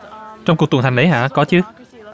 trong cuộc tuần hành đấy hả có chứ